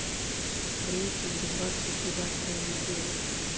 в рейтинге двадцать девятая неделя